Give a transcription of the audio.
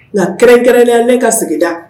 Nka kɛrɛnkɛrɛn ne ka sigida